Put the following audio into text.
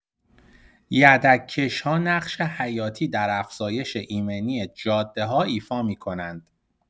یدک‌کش‌ها نقش حیاتی در افزایش ایمنی جاده‌ها ایفا می‌کنند.